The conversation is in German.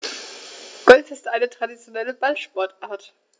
Golf ist eine traditionelle Ballsportart.